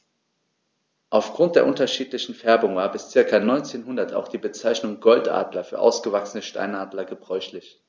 Auf Grund der unterschiedlichen Färbung war bis ca. 1900 auch die Bezeichnung Goldadler für ausgewachsene Steinadler gebräuchlich.